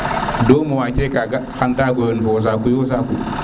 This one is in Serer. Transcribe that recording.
2moitiés kaga xan te yoon fo saku yo saku